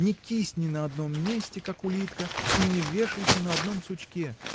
Не кисни на одном месте, как улитка, и не вешайся на одном сучке.